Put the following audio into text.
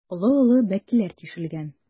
Олы-олы бәкеләр тишелгән.